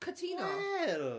Cytuno!... Wel.